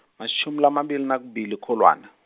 emashumi lamabili nakubili kuKholwane.